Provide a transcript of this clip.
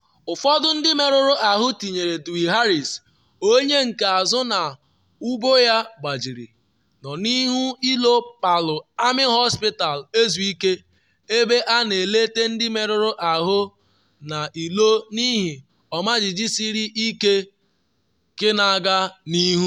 Ụfọdụ ndị merụrụ ahụ tinyere Dwi Haris, onye nke azụ na ubu ya gbajiri, nọ n’ihu ilo Palu Army Hospital ezu ike, ebe a na-elete ndị merụrụ ahụ n’ilo n’ihi ọmajiji siri ike ka na-aga n’ihu.